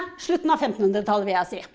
slutten av femtenhundretallet vil jeg si.